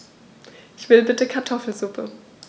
Ich will bitte Kartoffelsuppe.